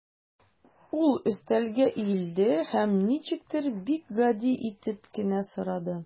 Ул өстәлгә иелде һәм ничектер бик гади итеп кенә сорады.